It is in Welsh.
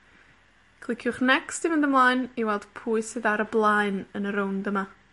Cliciwch Next i fynd ymlaen i weld pwy sydd ar y blaen yn y rownd yma.